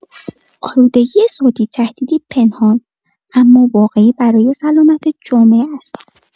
آلودگی صوتی تهدیدی پنهان اما واقعی برای سلامت جامعه است.